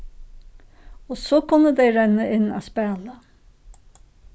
og so kunnu tey renna inn at spæla